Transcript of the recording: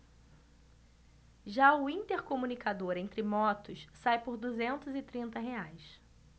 já o intercomunicador entre motos sai por duzentos e trinta reais